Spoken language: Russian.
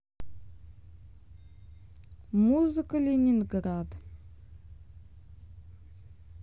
музыка ленинград